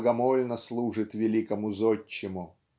богомольно служит великому Зодчему.